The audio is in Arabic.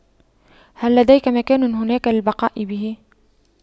هل لديك مكان هناك للبقاء به